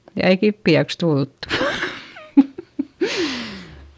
ja ei kipeäksi tultu